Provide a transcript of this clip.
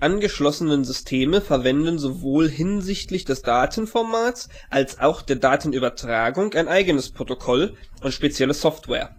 angeschlossenen Systeme verwenden sowohl hinsichtlich des Datenformats, als auch der Datenübertragung ein eigenes Protokoll und spezielle Software.